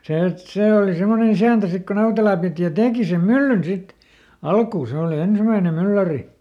ja se että se oli semmoinen isäntä sitten kun Nautela piti ja teki sen myllyn sitten alkuun se oli ensimmäinen mylläri